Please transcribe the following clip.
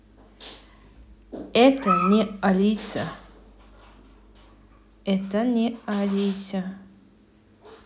это не алиса